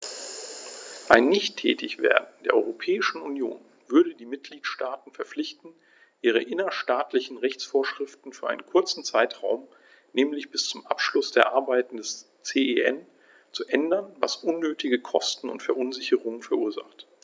Ein Nichttätigwerden der Europäischen Union würde die Mitgliedstaten verpflichten, ihre innerstaatlichen Rechtsvorschriften für einen kurzen Zeitraum, nämlich bis zum Abschluss der Arbeiten des CEN, zu ändern, was unnötige Kosten und Verunsicherungen verursacht.